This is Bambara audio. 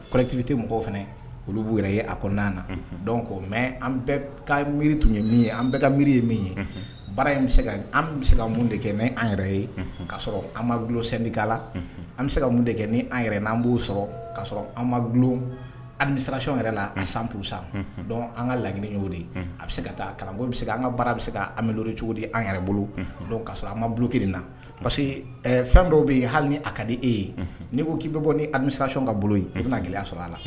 Kɔrɔtibite mɔgɔw fana olu b'u yɛrɛ ye a ko n'an na dɔn ko mɛ an ka miiri tun ye min ye an bɛ ka miiri ye min ye baara bɛ se an bɛ se ka mun de kɛ mɛ an yɛrɛ ye k ka sɔrɔ an ma dusennika la an bɛ se ka mun de kɛ ni an yɛrɛ n'an b'o sɔrɔ ka'a sɔrɔ an mamisasirayɔn yɛrɛ la a sanp sa dɔn an ka lagli de a bɛ se ka taa karamɔgɔ bɛ se an ka baara bɛ se ami amadu cogo di an yɛrɛ bolo kaa sɔrɔ an maluki na parce que fɛn dɔw bɛ yen hali ni' ka di e ye n'i ko k'i bɛ bɔ ni alimisarayɔn ka bolo ye i bɛna gɛlɛya sɔrɔ a la